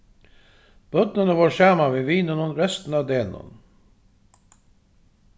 børnini vóru saman við vinunum restina av degnum